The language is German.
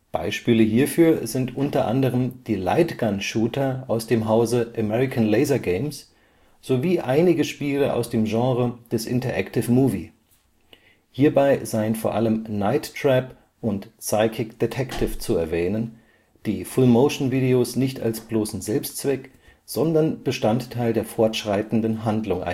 Beispiele hierfür sind u.a. die Lightgun-Shooter aus dem Hause American Laser Games sowie einige Spiele aus dem Genre des Interactive Movie: Hierbei seien vor allem Night Trap und Psychic Detective zu erwähnen, die FMV nicht als bloßen Selbstzweck, sondern Bestandteil der fortschreitenden Handlung